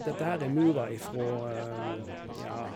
Dette her er murer ifra, nja...